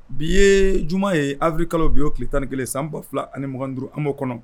Bi ye juma ye ari kalolo bi yeo ki tan ni kelen san ba fila ani mugan duuru anmu kɔnɔ